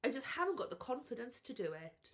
I just haven't got the confidence to do it.